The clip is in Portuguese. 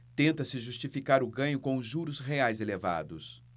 tenta-se justificar o ganho com os juros reais elevados